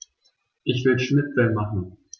Ich will Schnitzel machen.